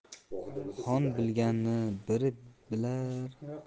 xon bilganni biy